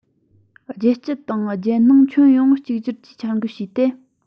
རྒྱལ སྤྱི དང རྒྱལ ནང གི ཁྱོན ཡོངས གཉིས གཅིག གྱུར གྱིས འཆར འགོད བཅས བྱས ཏེ